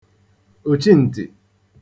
òchiǹtị̀